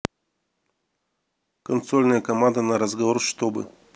консольная команда на разговор чтобы